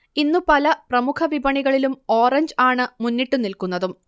ഇന്നുപല പ്രമുഖ വിപണികളിലും ഓറഞ്ച് ആണു മുന്നിട്ടുനിക്കുന്നതും